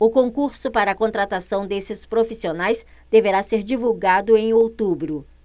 o concurso para contratação desses profissionais deverá ser divulgado em outubro